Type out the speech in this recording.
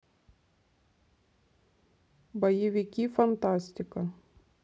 боевики фантастика